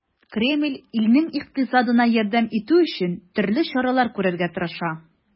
Кремль илнең икътисадына ярдәм итү өчен төрле чаралар күрергә тырыша.